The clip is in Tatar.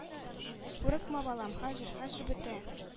— курыкма, балам, хәзер... хәзер бетә,